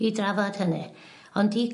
i drafod hynny. Ond i...